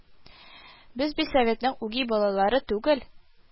Без бит Советның үги балалары түгел